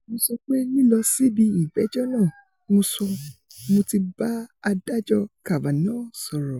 Mo sọ pé lílọ síbi ìgbẹ́jọ́ náà, mo sọ, mo ti bá adájọ́ Kavanaugh sọ̀rọ̀.